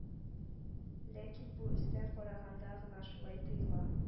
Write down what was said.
Ләкин бу өстән караганда гына шулай тоела